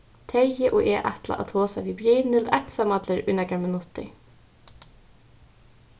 terji og eg ætla at tosa við brynhild einsamallir í nakrar minuttir